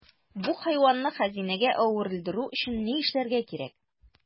Бу хайванны хәзинәгә әверелдерү өчен ни эшләргә кирәк?